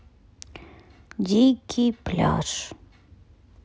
дикий пляж